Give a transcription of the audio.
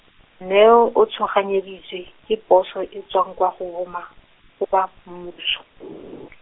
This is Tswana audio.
Neo a tshoganyediwa ke poso e tswa kwa go ba mma, go ba mmuso .